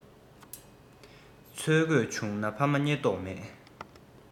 འཚོལ དགོས བྱུང ན ཕ མ རྙེད མདོག མེད